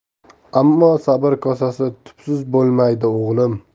ammo sabr kosasi tubsiz bo'lmaydi o'g'lim